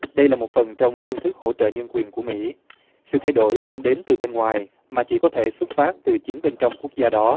đây là một phần trong phương thức hỗ trợ nhân quyền của mỹ sự thay đổi không đến từ bên ngoài mà chỉ có thể xuất phát từ chính bên trong quốc gia đó